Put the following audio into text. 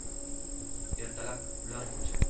ertalab ular o'chadi